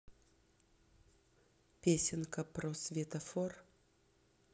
песенка про светофор